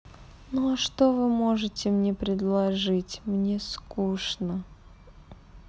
ну а что вы можете мне предложить мне скучно